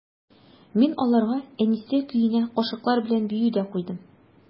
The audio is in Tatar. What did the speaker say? Мин аларга «Әнисә» көенә кашыклар белән бию дә куйдым.